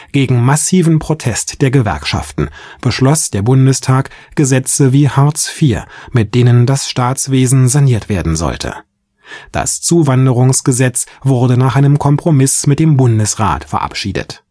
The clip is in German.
Gegen massiven Protest der Gewerkschaften beschloss der Bundestag Gesetze wie Hartz IV, mit denen das Staatswesen saniert werden sollte. Das Zuwanderungsgesetz wurde nach einem Kompromiss mit dem Bundesrat verabschiedet